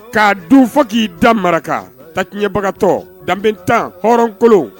K'a dun fɔ k'i da mara taɲɛbagatɔ danbe tan hɔrɔnkolon